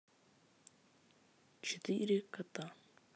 четыре кота